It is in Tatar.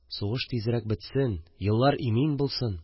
Сугыш тизрәк бетсен! Еллар имин булсын